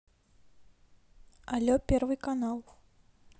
але первый канал